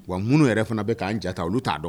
Wa minnu yɛrɛ fana bɛ k'an jate ta olu t'a dɔn